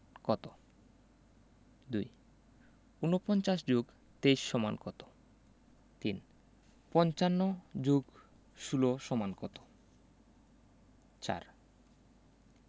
কত ২ ৪৯ + ২৩ = কত ৩ ৫৫ + ১৬ = কত ৪